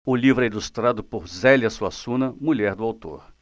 o livro é ilustrado por zélia suassuna mulher do autor